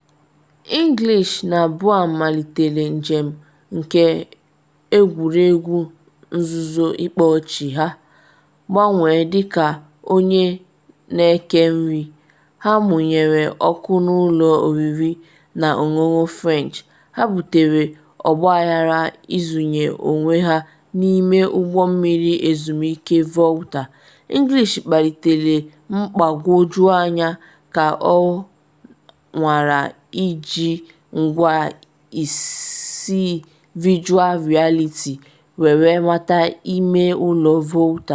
English na Bough malitere njem nke egwuregwu nzuzu ịkpa ọchị ha: gbanwee dịka onye na-eke nri, ha mụnyere ọkụ n’ụlọ oriri na ọṅụṅụ French; ha butere ọgbaghara izunye onwe ha n’ime ụgbọ mmiri ezumike Volta; English kpalitere mgbagwoju anya ka ọ nwara iji ngwa isi Virtual Reality nwere mata ime ụlọ Volta.